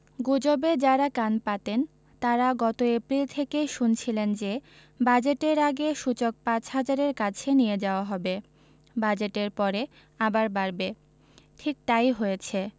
গুজবে যাঁরা কান পাতেন তাঁরা গত এপ্রিল থেকেই শুনছিলেন যে বাজেটের আগে সূচক ৫ হাজারের কাছে নিয়ে যাওয়া হবে বাজেটের পরে আবার বাড়বে ঠিক তা ই হয়েছে